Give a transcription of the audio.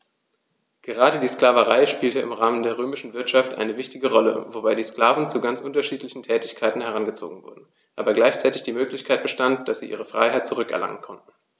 Gerade die Sklaverei spielte im Rahmen der römischen Wirtschaft eine wichtige Rolle, wobei die Sklaven zu ganz unterschiedlichen Tätigkeiten herangezogen wurden, aber gleichzeitig die Möglichkeit bestand, dass sie ihre Freiheit zurück erlangen konnten.